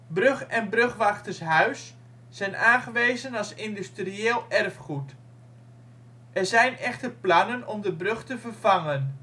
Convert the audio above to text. Brug en brugwachtershuis zijn aangewezen als industrieel erfgoed. Er zijn echter plannen om de brug te vervangen